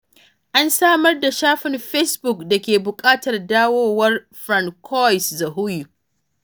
An samar da shafin Fesbuk da ke buƙatar dawowar François Zahoui.